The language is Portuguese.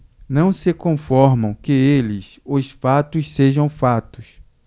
não se conformam que eles os fatos sejam fatos